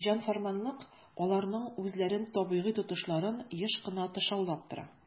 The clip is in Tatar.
"җан-фәрманлык" аларның үзләрен табигый тотышларын еш кына тышаулап тора.